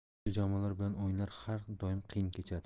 kuchli jamoalar bilan o'yinlar har doim qiyin kechadi